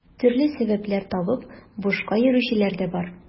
Төрле сәбәпләр табып бушка йөрүчеләр дә бар.